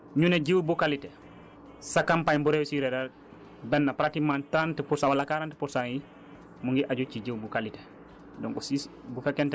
parce que ñu ne jiwu bu qualité sa campagne bu réussir rekk benn pratiquement trente pour cent wala quarante pour cent yi mu ngi aju ci jiw bu qualité